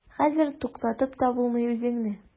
Хәзер туктатып та булмый үзеңне.